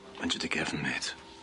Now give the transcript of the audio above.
Meidia dy gefyn, mate.